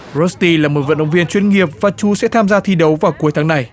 rốt ti là một vận động viên chuyên nghiệp và chú sẽ tham gia thi đấu vào cuối tháng này